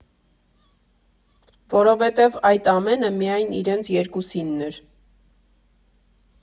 Որովհետև այդ ամենը միայն իրենց երկուսինն էր։